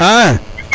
a